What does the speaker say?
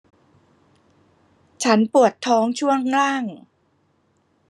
ฉันปวดท้องช่วงล่าง